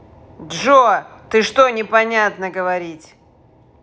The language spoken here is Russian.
джой что то непонятное говорить